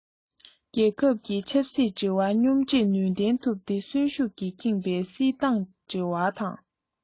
རྒྱལ ཁབ ཀྱི ཆབ སྲིད འབྲེལ བ སྙོམས སྒྲིག ནུས ལྡན ཐུབ སྟེ གསོན ཤུགས ཀྱིས ཁེངས པའི སྲིད ཏང འབྲེལ བ དང